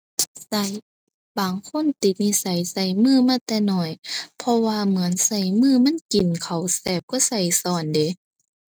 ใช้ บางคนติดนิสัยใช้มือมาแต่น้อย เพราะว่าเหมือนใช้มือมันกินข้าวแซ่บกว่าใช้ใช้เดะ